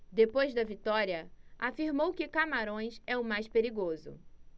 depois da vitória afirmou que camarões é o mais perigoso